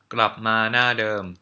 กลับมาหน้าเดิม